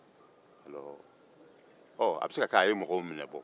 a be se ka kɛ a ye mɔgɔw minɛ